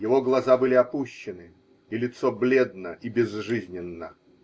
Его глаза были опущены и лицо бледно и безжизненно.